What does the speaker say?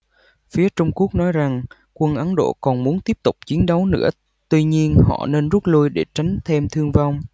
phía trung quốc nói rằng quân ấn độ còn muốn tiếp tục chiến đấu nữa tuy nhiên họ nên rút lui để tránh thêm thương vong